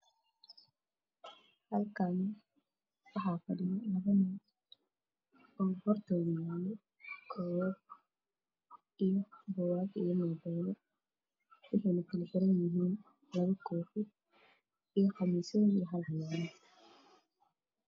Halkaan waxaa fadhiyo kooban iyo mobile kala xiranyahay koofi iyo qamiis